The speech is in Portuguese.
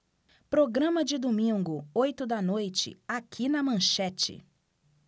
programa de domingo oito da noite aqui na manchete